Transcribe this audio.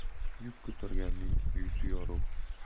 yuk ko'targanning yuzi yorug'